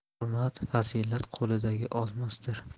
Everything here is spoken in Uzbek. hurmat fazilat qo'lidagi olmosdir